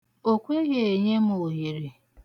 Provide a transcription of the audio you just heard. O kweghị enye m ohere.